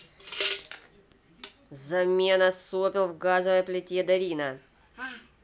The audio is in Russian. замена сопел в газовой плите дарина